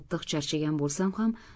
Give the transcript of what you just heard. qattiq charchagan bo'lsam ham